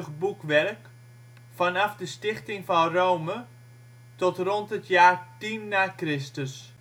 boekwerk: vanaf de stichting van Rome tot rond het jaar 10 n.Chr.